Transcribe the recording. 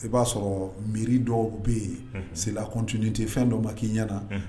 I b'a sɔrɔ mairie dɔw bɛ yen , c'est la continuité nifɛn dɔ ma k'i ɲɛna